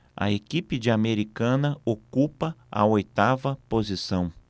a equipe de americana ocupa a oitava posição